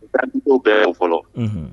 O bɛ entités bɛɛ fo fɔlɔ; Unhun.